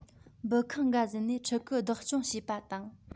འབུ ཁང འགའ བཟོས ནས ཕྲུ གུ བདག སྐྱོང བྱས པ དང